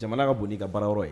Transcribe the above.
Jamana ka bon' ka baara yɔrɔ ye